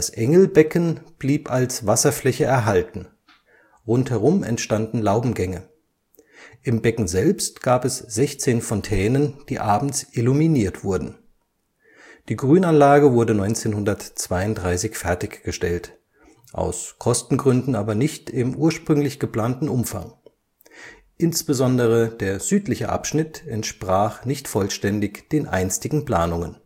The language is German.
Engelbecken blieb als Wasserfläche erhalten, rundherum entstanden Laubengänge. Im Becken selbst gab es 16 Fontänen, die abends illuminiert wurden. Die Grünanlage wurde 1932 fertiggestellt – aus Kostengründen aber nicht im ursprünglich geplanten Umfang. Insbesondere der südliche Abschnitt entsprach nicht vollständig den einstigen Planungen